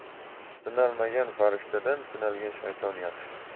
sinalmagan farishtadan sinalgan shayton yaxshi